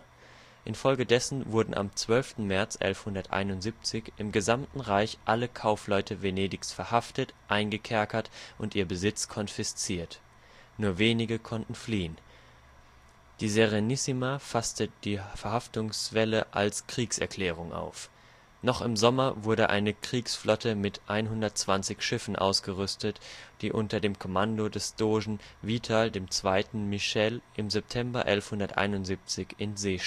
Folge dessen wurden am 12. März 1171 im gesamten Reich alle Kaufleute Venedigs verhaftet, eingekerkert und ihr Besitz konfisziert. Nur wenige konnten fliehen. Die Serenissima fasste die Verhaftungswelle als Kriegserklärung auf. Noch im Sommer wurde eine Kriegsflotte mit 120 Schiffen ausgerüstet, die unter dem Kommando des Dogen Vital II. Michele im September 1171 in See stach